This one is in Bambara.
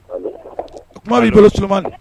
Kuma b'i bolo suman